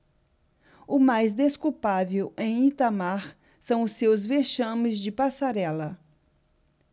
o mais desculpável em itamar são os seus vexames de passarela